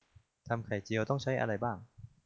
ทำไข่เจียวต้องใช้อะไรบ้าง